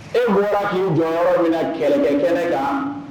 E bɔra k'i jɔ yɔrɔ minna kɛlɛkɛ kɛnɛ kan.